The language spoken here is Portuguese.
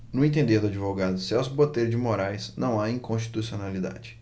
no entender do advogado celso botelho de moraes não há inconstitucionalidade